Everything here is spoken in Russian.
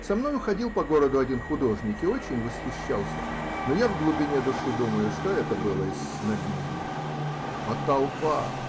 Со мною ходил по городу один художник и очень восхищался, но я в глубине души думаю, что это было из снобизма. А толпа!